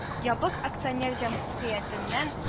Ябык Акционер Җәмгыятеннән